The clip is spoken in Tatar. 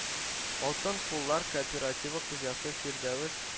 “алтын куллар” кооперативы хуҗасы фирдәүс